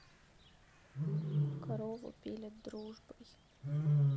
корову пилят дружбой